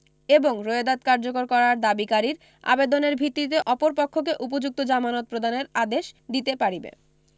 এবং রোয়েদাদ কার্যকর করার দাবীকারীর আবেদনের ভিত্তিতে অপর পক্ষকে উপযুক্ত জামানত প্রদানের আদেশ দিতে পারিবে